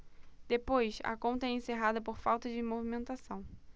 depois a conta é encerrada por falta de movimentação